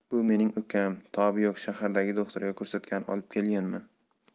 bu mening ukam tobi yo'q shahardagi do'xtirga ko'rsatgani olib kelganman